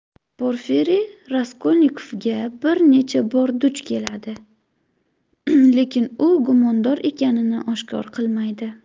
porfiriy raskolnikovga bir necha bor duch keladi lekin u gumondor ekanini oshkor qilmaydi